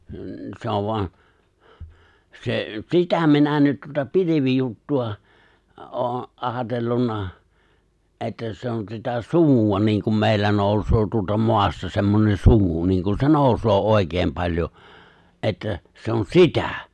no se on vain se sitä minä nyt tuota pilvijuttua olen ajatellut että se on sitä sumua niin kun meillä nousee tuolta maasta semmoinen sumu niin kun se nousee oikein paljon että se on sitä